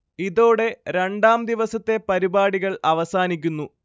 ഇതോടെ രണ്ടാം ദിവസത്തെ പരിപാടികള്‍ അവസാനിക്കുന്നു